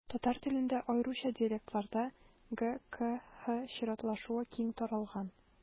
Татар телендә, аеруча диалектларда, г-х-к чиратлашуы киң таралган.